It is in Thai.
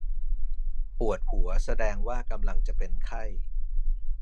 ปวดหัวแสดงว่ากำลังจะเป็นไข้